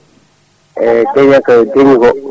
eyyi *